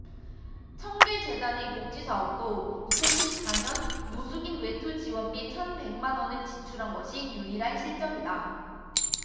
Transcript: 청계재단의 복지사업도 이천 십 사 년 노숙인 외투 지원비 천 백 만원을 지출한 것이 유일한 실적이다